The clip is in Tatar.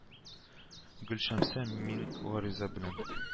Гөлшәмсә, мин гариза белән